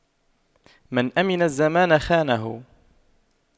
من أَمِنَ الزمان خانه